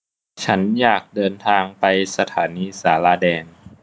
ฉันอยากเดินทางไปสถานีศาลาแดง